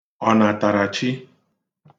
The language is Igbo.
ọ̀nàtàràchi